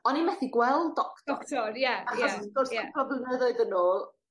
o'n i methu gweld doctor. Doctor, ie ie. Achos wrth gwrs cwpwl o flynyddoedd yn ôl